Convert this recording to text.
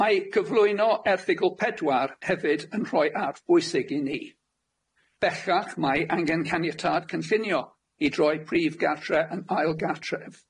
Mae cyflwyno erthygl pedwar hefyd yn rhoi arf bwysig i ni bellach mae angen caniatâd cynllunio i droi prif gartre yn ail gartre.